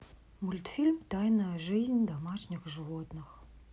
мультфильм тайная жизнь домашних животных